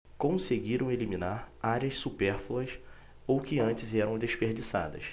conseguiram eliminar áreas supérfluas ou que antes eram desperdiçadas